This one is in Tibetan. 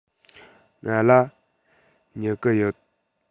ང ལ སྨྱུ གུ ཡོད